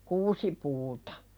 kuusipuut